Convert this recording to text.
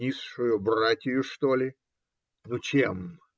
Низшую братию, что ли? Ну, чем?